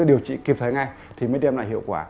điều trị kịp thời ngay thì mới đem lại hiệu quả